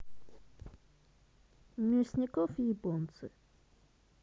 мясников японцы